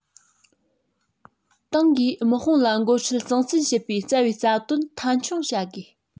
ཏང གིས དམག དཔུང ལ འགོ ཁྲིད གཙང བཙན བྱེད པའི རྩ བའི རྩ དོན མཐའ འཁྱོངས བྱ དགོས